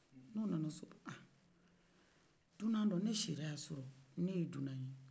ina ni sɔgɔna dunan dɔ n shila ɲan surɔ ne ye dunan ye